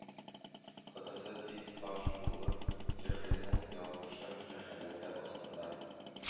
Хатасы тиз фаш булыр, җаһилнең ялгышы җәһаләте астында